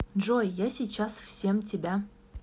джой я сейчас всем тебя